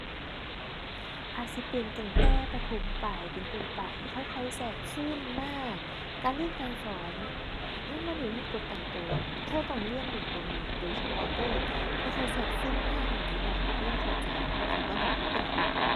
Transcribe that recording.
อาจสิเป็นตั้งแต่ประถมปลายเป็นต้นไป ค่อยค่อยแทรกซึมมา การเรียนการสอนมันบ่ได้มีกฎตายตัวว่า เธอต้องเรียนรู้ตัวนี้โดยเฉพาะเด้อ ค่อยค่อยแทรกซึมมาให้เด็กน้อยนักเรียนเข้าใจ ตัวสิบ่น่ามีปัญหา